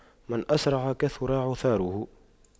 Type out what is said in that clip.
من أسرع كثر عثاره